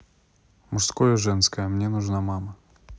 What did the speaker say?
мужское и женское мне нужна мама